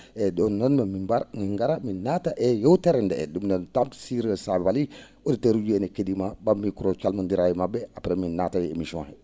eeyi ?on noon mi baara min ngara min naata e yeewtere ndee ?um noon Tamsir Sabaly auditeur uji ?ii ene ke?imaa ?am micro oo calmonndiraa e ma??e après min naata e emission